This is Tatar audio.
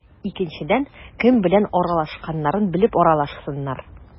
Икенчедән, кем белән аралашканнарын белеп аралашсыннар.